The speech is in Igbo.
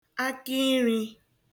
akairī